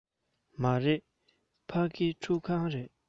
མ རེད ཕ གི ཁྲུད ཁང རེད